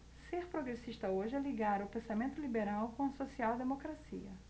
ser progressista hoje é ligar o pensamento liberal com a social democracia